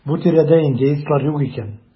Бу тирәдә индеецлар юк икән.